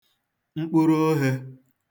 mkpụrụ ohwē